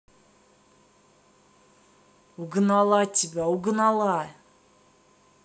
угнала тебя угнала